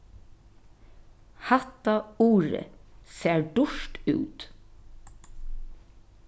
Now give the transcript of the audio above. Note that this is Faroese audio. hatta urið sær dýrt út